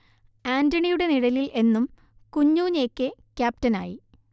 ആന്റണിയുടെ നിഴലിൽ എന്നും കുഞ്ഞൂഞ്ഞ് എ കെ ക്യാപ്റ്റനായി